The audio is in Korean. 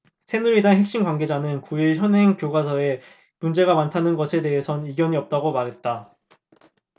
새누리당 핵심 관계자는 구 일 현행 교과서에 문제가 많다는 것에 대해선 이견이 없다고 말했다